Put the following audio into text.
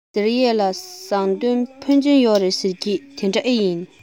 ཟེར ཡས ལ ཟངས གཏེར འཕོན ཆེན ཡོད རེད ཟེར གྱིས དེ འདྲ ཨེ ཡིན